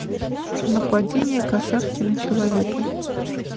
нападение касатки на человека